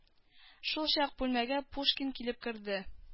Шулчак бүлмәгә пушкин килеп керде